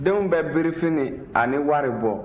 denw bɛ birifini ani wari bɔ